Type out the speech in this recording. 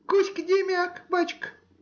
— Куська-Демяк, бачка.